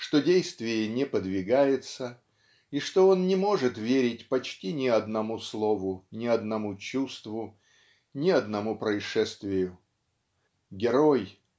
что действие не подвигается и что он не может верить почти ни одному слову ни одному чувству ни одному происшествию. Герой